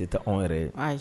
Tɛ an yɛrɛ ye